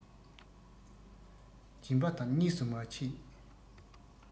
སྦྱིན པ དང གཉིས སུ མ མཆིས